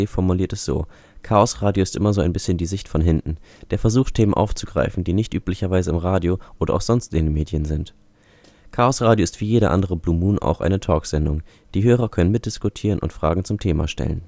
formuliert es so: „ Chaosradio ist immer so ein bisschen die Sicht von hinten; der Versuch, Themen aufzugreifen, die nicht üblicherweise im Radio oder auch sonst in den Medien sind. “Chaosradio ist wie jeder andere Blue Moon auch eine Talksendung. Die Hörer können mitdiskutieren und Fragen zum Thema stellen